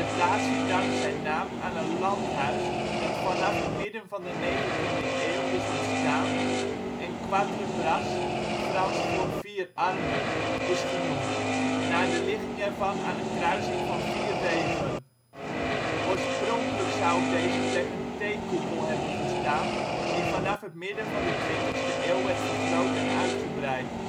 plaatsje dankt zijn naam aan een landhuis dat vanaf het midden van de 19e eeuw is ontstaan en Quatre Bras (Frans voor " vier armen ") is genoemd, naar de ligging ervan aan een kruising van vier wegen. Oorspronkelijk zou op deze plek een theekoepel hebben gestaan, die vanaf het midden van de 20e eeuw werd vergroot en uitgebreid